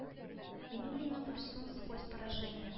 Миннуллина гульсум сквозь поражения